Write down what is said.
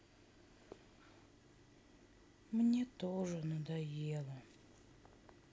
мне тоже надоело